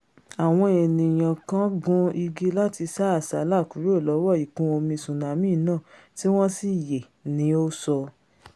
Àwọn ènìyàn kan gun igi láti sá àsálà kuro lọ́wọ́ ìkún omi tsunami náà tí wọ́n sì yè, ni ó sọ.